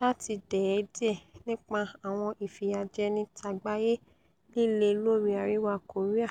láti dẹ̀ ẹ́ díẹ̀ nípa àwọn ìfìyàjẹni tàgbáyé líle lórí Àríwa Kòríà.